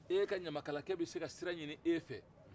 e ka ɲamakalakɛ bɛ se ka sira ɲini e fɛ